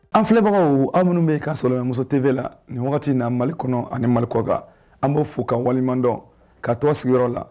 An filɛbagaw aw minnu bɛ k'a sɔgɔlen bɛ muso TV la nin waati in na Mali kɔnɔ ani mali kɔ kan an b'a fo k'a walima dɔn, k'a to a sigiyɔrɔ la